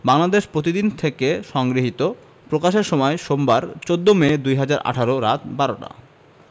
বাংলাদেশ প্রতিদিন থেকে সংগৃহীত প্রকাশের সময় সোমবার ১৪ মে ২০১৮ রাত ১২টা